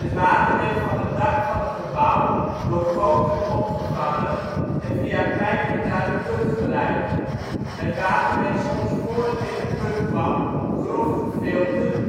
water werd van het dak van een gebouw door goten opgevangen en via pijpen naar de put geleid. Het water werd soms voor het in de put kwam grof gefilterd